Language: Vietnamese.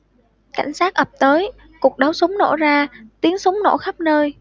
cảnh sát ập tới cuộc đấu súng nổ ra tiếng súng nổ khắp nơi